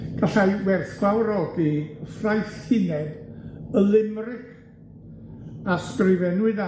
Gallai werthfawrogi y ffraethineb y limric, a sgrifennwyd